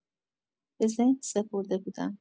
به ذهن سپرده بودم.